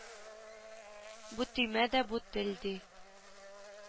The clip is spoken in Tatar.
Бу төймә дә бу тел ди